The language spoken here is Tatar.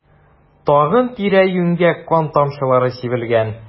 Тагын тирә-юньгә кан тамчылары сибелгән.